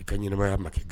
I ka ɲɛnamaya ma kɛ ten